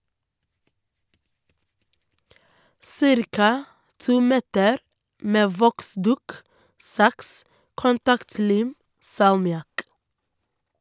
Cirka to meter med voksduk, saks, kontaktlim, salmiakk.